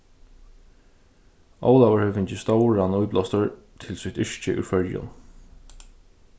ólavur hevur fingið stóran íblástur til sítt yrki úr føroyum